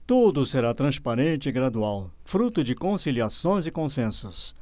tudo será transparente e gradual fruto de conciliações e consensos